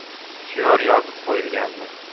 shior yozib qo'yilgandi